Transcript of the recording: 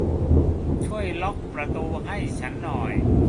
ช่วยล็อกประตูให้ฉันหน่อย